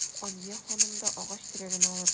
Алия ханым да агач көрәген алыр.